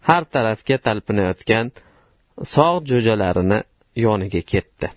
har tarafga talpinayottan sog' jo'jalari yoniga ketdi